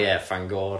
Ie Fangoria.